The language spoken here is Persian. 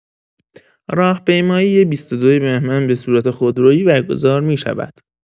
راهپیمایی ۲۲ بهمن به صورت خودرویی برگزار می‌شود.